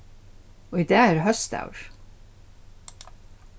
í dag er hósdagur